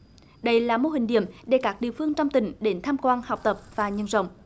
đây là mô hình điểm để các địa phương trong tỉnh đến tham quan học tập và nhân rộng